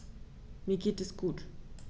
Mir geht es gut.